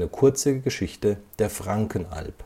kurze Geschichte der Frankenalb